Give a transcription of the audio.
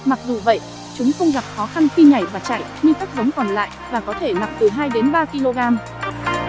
mặc dù vậy chúng không gặp khó khăn khi nhảy và chạy như các giống còn lại và có thể nặng từ đến kg